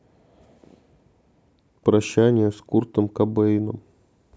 прощание с куртом кобейном